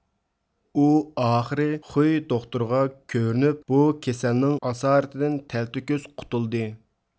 ئۇ ئاخىرى خۈي دوختۇرغا كۆرۈنۈپ بۇ كېسەللىكنىڭ ئاسارىتىدىن تەلتۆكۈس قۇتۇلدى